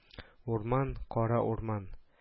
Урман, кара урман